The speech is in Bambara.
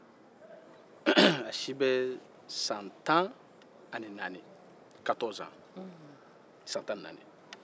a si be san tan ni naani na